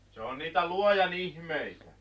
se on niitä luojan ihmeitä